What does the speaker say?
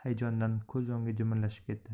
hayajondan ko'z o'ngi jimirlashib ketdi